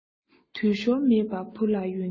འཐུས ཤོར མེད པར བུ ལ ཡོན ཏན སློབས